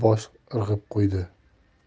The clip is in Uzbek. bosh irg'ab qo'ydi